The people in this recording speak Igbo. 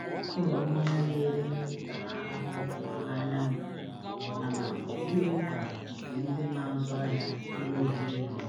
Ụlọ mmanya na ere nri tara ahụhụ n’anyanwụ, mana ọbụghị ka nke ndị na azụ ahịa ụlọ oriri na ọṅụṅụ.